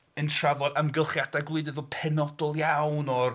..yn trafod amgylchiadau gwleidyddol penodol iawn o'r